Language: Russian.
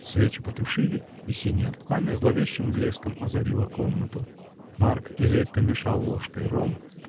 Свечи потушили, и синее пламя зловещим блеском озарило комнату. Марк изредка мешал ложкой ром